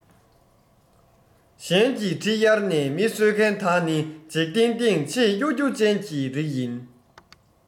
གཞན གྱི གྲི གཡར ན མི གསོད མཁན དག ནི འཇིག རྟེན སྟེང ཆེས གཡོ སྒྱུ ཅན གྱི རིགས ཡིན